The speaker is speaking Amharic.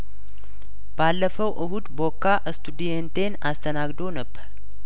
ባለፈው እሁድ ቦካ ኤስቱዲዬንቴን አስተናግዶ ነበር